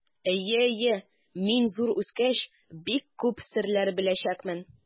Әйе, әйе, мин, зур үскәч, бик күп серләр беләчәкмен.